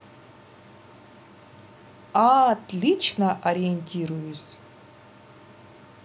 отлично ориентируюсь